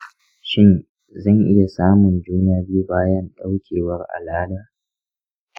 shin zan iya samun juna biyu bayan ɗaukewar al'ada?